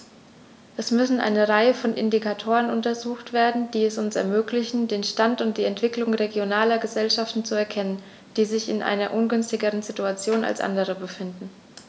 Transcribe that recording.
Es müssen eine Reihe von Indikatoren untersucht werden, die es uns ermöglichen, den Stand und die Entwicklung regionaler Gesellschaften zu erkennen, die sich in einer ungünstigeren Situation als andere befinden.